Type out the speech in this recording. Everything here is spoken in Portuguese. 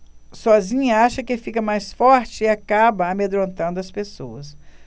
sozinha acha que fica mais forte e acaba amedrontando as pessoas